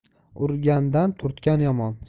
urgandan turtgan yomon